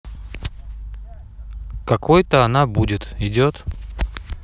какой то она будет идет